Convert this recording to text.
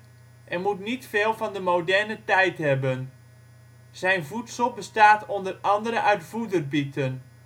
en moet niet veel van de moderne tijd hebben. Zijn voedsel bestaat onder andere uit voederbieten